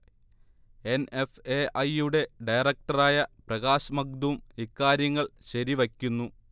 N. F. A. I. യുടെ ഡയറക്ടറായ പ്രകാശ് മഗ്ദും ഇക്കാര്യങ്ങൾ ശരിവയ്ക്കുന്നു